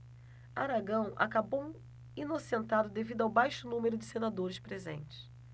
aragão acabou inocentado devido ao baixo número de senadores presentes